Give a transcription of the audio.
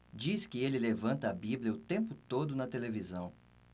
diz que ele levanta a bíblia o tempo todo na televisão